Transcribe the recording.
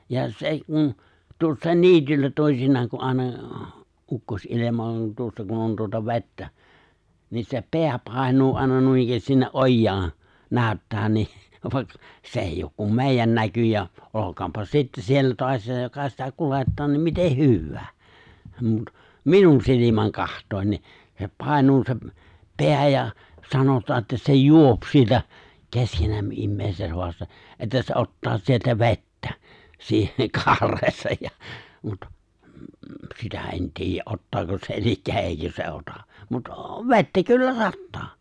ja se kun tuossa niityllä toisinaan kun aina ukkosenilma on tuossa kun on tuota vettä niin se pää painuu aina noinikään sinne ojaan näyttää niin vaikka se ei ole kuin meidän näkyjä olkoonpa sitten siellä taasiinsa joka sitä kuljettaa niin miten hyvänsä mutta minun silmäni katsoen niin se painuu se pää ja sanotaan että se juo sieltä keskenämme ihmiset haastaa että se ottaa sieltä vettä siihen kaareensa ja mutta sitä en tiedä ottaako se eli eikö se ota mutta vettä kyllä sataa